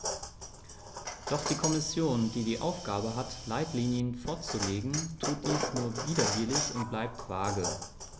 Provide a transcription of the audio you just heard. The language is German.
Doch die Kommission, die die Aufgabe hat, Leitlinien vorzulegen, tut dies nur widerwillig und bleibt vage.